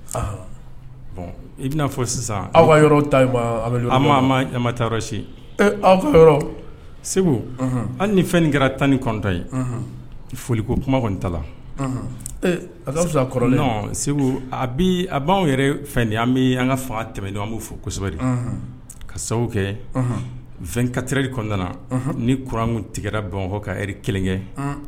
Bɔn i bɛna fɔ sisan aw yɔrɔ tasi aw segu an ni fɛn kɛra tan nitan ye foli ko kuma tala aɔrɔn segu a a b' yɛrɛ fɛn bɛ an ka fan tɛmɛ don an b' fɔ ko kosɛbɛ ka sababu kɛ2 ka teriri kɔnna ni kurankun tigɛ bɔn kɔ kari kelen kɛ